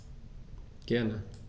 Gerne.